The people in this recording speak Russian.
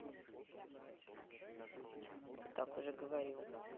ты так уже говорил